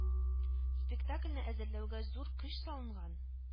Спектакльне әзерләүгә зур көч салынган